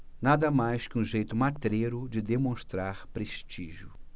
nada mais que um jeito matreiro de demonstrar prestígio